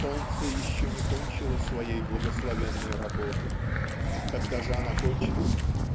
Солнце еще не кончило своей благословенной работы. Когда же она кончится